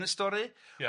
yn y stori... Ia...